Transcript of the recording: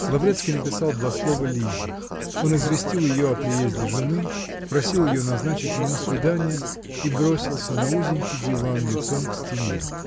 Лаврецкий написал два слова Лизе: он известил ее о приезде жены, просил ее назначить ему свидание, -- и бросился на узенький диван лицом к стене